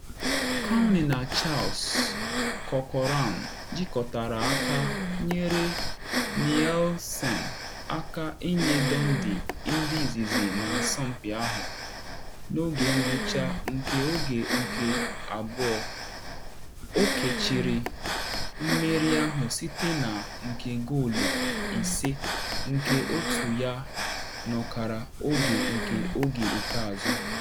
Cownie na Charles Corcoran jikọtara aka nyere Nielsen aka ịnye Dundee ndu izizi na asọmpi ahụ n’oge ngwụcha nke oge nke abụọ, o kechiri mmeri ahụ site na nke goolu ise nke otu ya n’ọkara oge nke oge ikpeazụ.